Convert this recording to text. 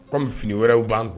Kɔmi fini wɛrɛw b'an kuwa